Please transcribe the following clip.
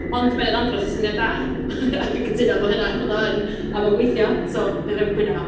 Ond mae o'n andros o syniad da a dwi'n cytuno bo' hynna... bod o yn, a mae'n gweithio. So, fedrai'm cwyno.